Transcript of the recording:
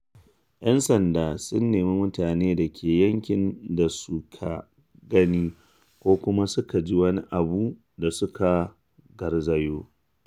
‘Yan sanda sun nemi mutane da ke yankin da suka gani ko kuma suka ji wani abu da su garzayo.